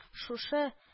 Шушы